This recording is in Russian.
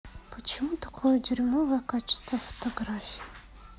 почему такое дерьмовое качество фотографий